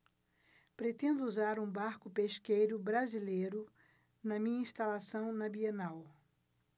pretendo usar um barco pesqueiro brasileiro na minha instalação na bienal